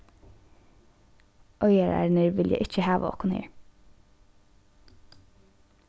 eigararnir vilja ikki hava okkum her